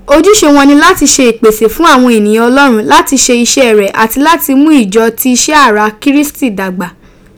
Ojuse won ni lati se ipese fun awon eniyan Olorun lati se ise Re ati lati mu ijo ti ise ara Kirisiti dagba.